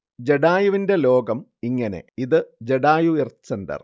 ജടായുവിന്റെ ലോകം ഇങ്ങനെ. ഇത് ജടായു എർത്ത് സെന്റർ